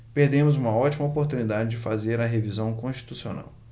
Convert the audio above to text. perdemos uma ótima oportunidade de fazer a revisão constitucional